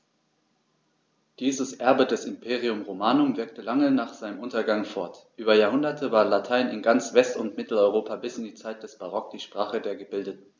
Dieses Erbe des Imperium Romanum wirkte lange nach seinem Untergang fort: Über Jahrhunderte war Latein in ganz West- und Mitteleuropa bis in die Zeit des Barock die Sprache der Gebildeten.